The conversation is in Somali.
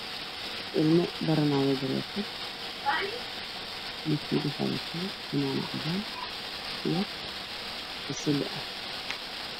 Ilmo yaa waddada socda mid waxa uu wata fanaanad bisali ah midka kalena fanaanad cagaar ah